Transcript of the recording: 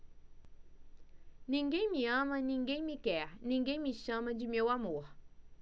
ninguém me ama ninguém me quer ninguém me chama de meu amor